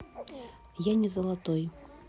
я не золотой